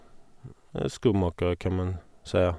En skomaker, kan man si.